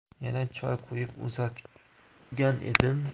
yana choy quyib uzatgan edim